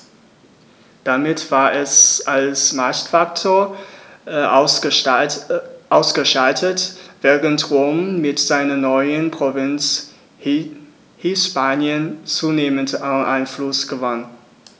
Damit war es als Machtfaktor ausgeschaltet, während Rom mit seiner neuen Provinz Hispanien zunehmend an Einfluss gewann.